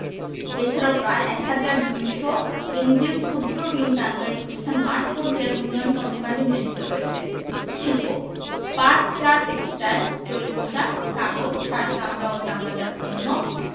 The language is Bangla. এছাড়াও প্রায় ১ হাজার ২০০ এনজিও ক্ষুদ্র্ ঋণ দানকারী প্রতিষ্ঠান মাঠপর্যায়ে উন্নয়ন কর্মকান্ডে নিয়োজিত রয়েছে শিল্পঃ পাট চা টেক্সটাইল তৈরি পোশাক কাগজ সার চামড়া ও চামড়াজাত পণ্য